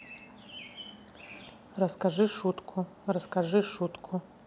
расскажи шутку расскажи шутку